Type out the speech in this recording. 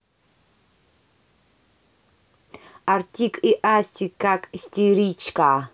artik и asti ка истеричка